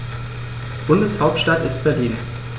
Bundeshauptstadt ist Berlin.